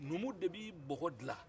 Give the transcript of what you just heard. numu de bɛ bɔgɔ dilan